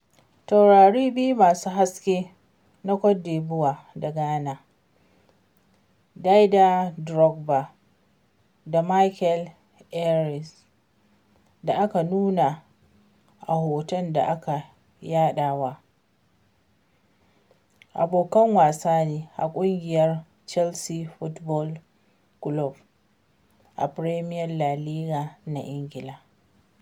Taurari biyu mafi haske na Côte d'Ivoire da Ghana, Dider Drogba da Michael Essien (da aka nuna a hoton da aka yaɗawa), abokan wasa ne a ƙungiyar Chelsea Football Club a Premier League na Ingila.